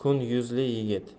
kun yuzli yigit